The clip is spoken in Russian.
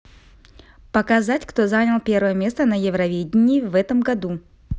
показать кто занял первое место на евровидении в этом году